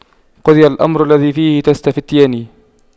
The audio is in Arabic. قُضِيَ الأَمرُ الَّذِي فِيهِ تَستَفِتيَانِ